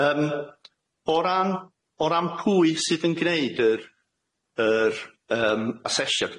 Yym o ran o ran pwy sydd yn gneud yr yr y yym asesiad.